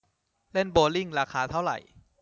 เล่นโบว์ลิ่งราคาเท่าไหร่